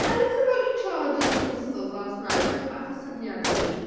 Tell us about you charging your crystals last night rho bach o syniad i ni.